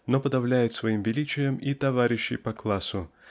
но подавляет своим величием и товарищей по классу